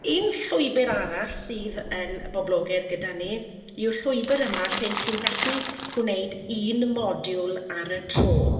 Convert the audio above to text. Un llwybr arall sydd yn boblogaidd gyda ni yw'r llwybr yma lle 'y chi'n gallu gwneud un modiwl ar y tro,